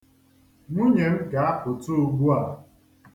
Nwunye m ga-apụta ugbua.